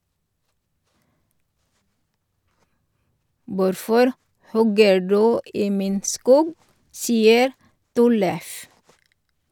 "Hvorfor hogger du i min skog?" sier Tollef.